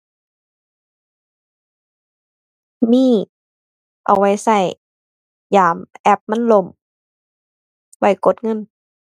มี เอาไว้ใช้ยามแอปมันล่ม ไว้กดเงิน